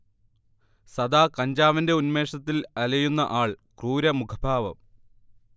സദാ കഞ്ചാവിന്റെ ഉന്മേഷത്തിൽ അലയുന്ന ആൾ ക്രൂരമായ മുഖഭാവം